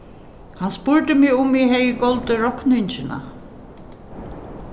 hann spurdi meg um eg hevði goldið rokningina